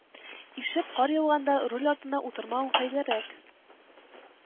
Ишеп кар яуганда руль артына утырмавың хәерлерәк